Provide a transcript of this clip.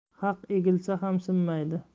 haq egilsa ham sinmaydi